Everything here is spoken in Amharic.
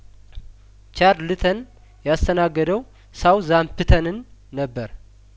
ቻርልተን ያስተናግደው ሳውዛምፕተንን ነበር